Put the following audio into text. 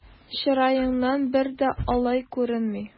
Чыраеңнан бер дә алай күренми!